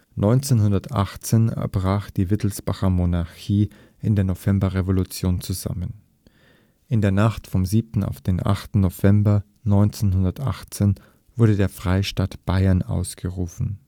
1918 brach die Wittelsbacher Monarchie in der Novemberrevolution zusammen. In der Nacht vom 7. auf den 8. November 1918 wurde der „ Freistaat Bayern “ausgerufen